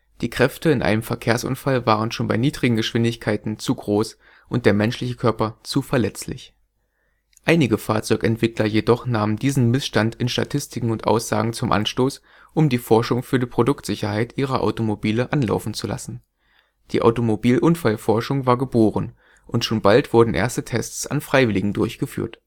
Die Kräfte in einem Verkehrsunfall waren schon bei niedrigen Geschwindigkeiten zu groß und der menschliche Körper zu verletzlich. Einige Fahrzeugentwickler jedoch nahmen diesen Missstand in Statistiken und Aussagen zum Anstoß, um die Forschung für die Produktsicherheit ihrer Automobile anlaufen zu lassen. Die Automobil-Unfallforschung war geboren und schon bald wurden erste Tests an Freiwilligen durchgeführt